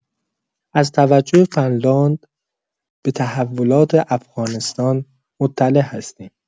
از توجه فنلاند به تحولات افغانستان مطلع هستیم.